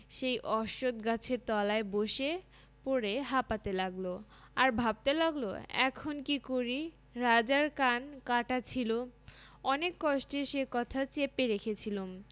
সেই অশ্বখ গাছের তলায় বসে পড়ে হাঁপাতে লাগল আর ভাবতে লাগল এখন কী করি রাজার কান কাটা ছিল অনেক কষ্টে সে কথা চেপে রেখেছিলুম